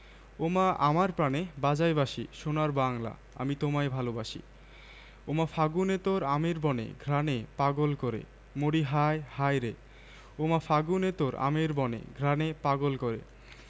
ঢাকা বিশ্ববিদ্যালয়ে অর্থনীতিতে অনার্স পরছি খুকি ক্লাস টেন এ আর খোকা সেভেন এ পড়ে ওদের ছেড়ে থাকতে খুব মন খারাপ করে ছুটিতে ওখানে বেড়াতে যাই আমাদের ক্যাম্পাসের এখন অনেক পরিবর্তন হয়েছে আপনি আবার আসলে